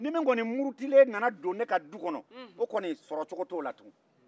nin min kɔni murutilen nana don ne ka duu kɔnɔ o kɔni sɔrɔ cogo to la tugun